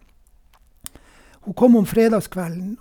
Hun kom om fredagskvelden.